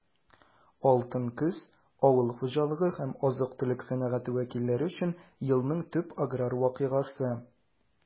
«алтын көз» - авыл хуҗалыгы һәм азык-төлек сәнәгате вәкилләре өчен елның төп аграр вакыйгасы.